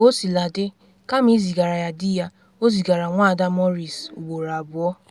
Kaosiladị, kama izigara ya di ya, o zigara Nwada Maurice ugboro abụọ.